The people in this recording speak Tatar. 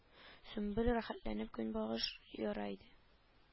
Сөмбел рәхәтләнеп көнбагыш яра иде